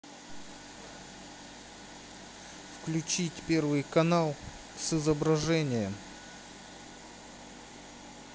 включить первый канал с изображением